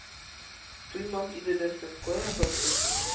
Туймас иде дә соң, кая барсын?